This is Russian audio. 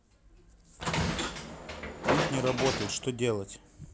пульт не работает что делать